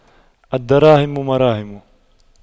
الدراهم مراهم